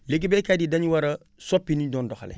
léegi baykat yi da~u war a soppi ni ñu doon doxalee